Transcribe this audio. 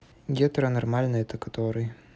гетера нормальный это который